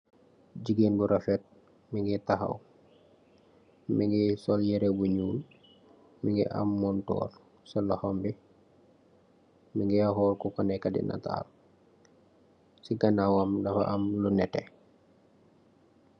Gegain Bu Rafet munge tahaw. Munge shol yhereh Bu nhyul, munge am Montorr si lohom Bi, mungeh xhol kuko neka di natal. Si ganaw wam bi munge am lu netexh.